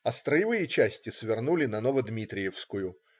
А строевые части свернули на Ново-Дмитриевскую.